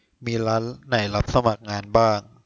มีร้านไหนรับสมัครงานบ้าง